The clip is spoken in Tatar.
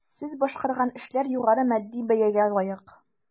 Сез башкарган эшләр югары матди бәягә лаек.